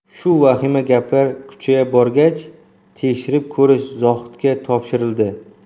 shu vahima gaplar kuchaya borgach tekshirib ko'rish zohidga topshirildi